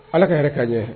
Ala ka yɛrɛ ka ɲɛ